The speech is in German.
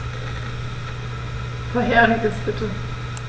Vorheriges bitte.